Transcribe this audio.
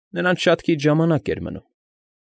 Նրանց շատ քիչ ժամանակ էր մնում։